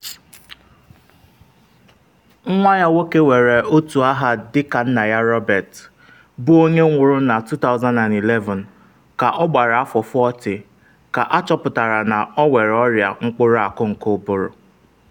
Nwa ya nwoke nwere otu aha dị ka nna ya Robert, bụ onye nwụrụ na 2011 ka ọgbara afọ 40, ka achọpụtara na ọ nwere ọrịa mkpụrụ akụ nke ụbụrụ.